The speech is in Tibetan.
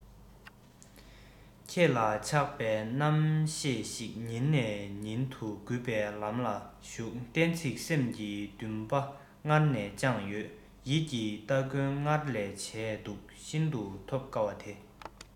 ཁྱེད ལ ཆགས པའི རྣམ ཤེས ཤིག ཉིན ནས ཉིན དུ རྒུད པའི ལམ ལ ཞུགས གཏན ཚིགས སེམས ཀྱི འདུན པ སྔར ནས བཅངས ཡོད ཡིད ཀྱི སྟ གོན སྔར ནས བྱས འདུག ཤིན ཏུ ཐོབ དཀའ བ དེ